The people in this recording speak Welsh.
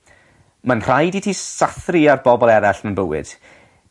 ma'n rhaid i ti sathru a'r bobol erell yn bywyd.